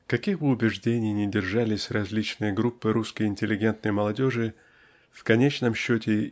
Каких бы убеждений ни держались различные группы русской интеллигентной молодежи в конечном счете